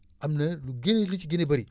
am na lu gë lu ci gën a bëri